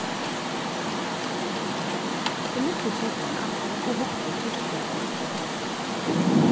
eg lyfti kikaran aftur og hugdi at kirkjugarðinum